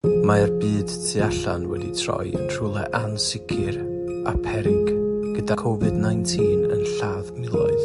Mae'r byd tu allan wedi troi yn rhywle ansicr a peryg', gyda Covid nineteen yn lladd miloedd,